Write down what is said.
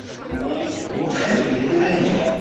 Nee wmbo byth 'di gneud imbud fel hyn o'blaen